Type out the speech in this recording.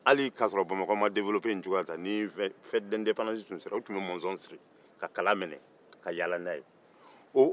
hali k'a sɔrɔ bamakɔ ma yiriwa nin cogo in na u tun bɛ kala mɛnɛ ka yaala n'a ye ni yɛrɛmahɔrɔnya ɲɛnajɛ sera